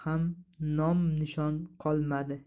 hujrasidan ham nom nishon qolmadi